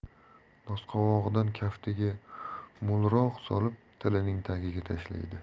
nosqovog'idan kaftiga mo'lroq solib tilining tagiga tashlaydi